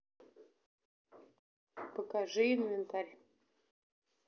покажи инвентарь